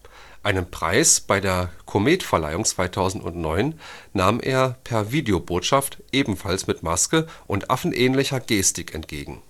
Einen Preis bei der Cometverleihung 2009 nahm er per Videobotschaft ebenfalls mit Maske und affenähnlicher Gestik entgegen